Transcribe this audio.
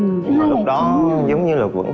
thì lúc đó giống như là vẫn còn